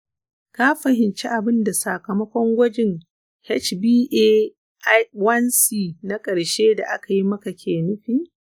ka fahimci abin da sakamakon gwajin hba1c na ƙarshe da aka yi maka ke nufi?